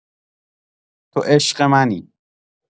تو عشق منی